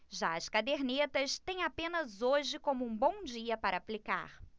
já as cadernetas têm apenas hoje como um bom dia para aplicar